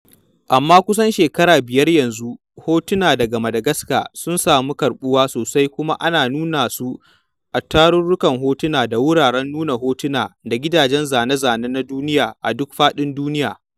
Amma kusan shekaru biyar yanzu, hotuna daga Madagascar sun samu karɓuwa sosai kuma ana nuna su a tarurrukan hotuna da wuraren nuna hotuna da gidajen zane-zane na duniya a duk faɗin duniya.